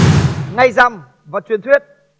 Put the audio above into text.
ngày rằm và truyền thuyết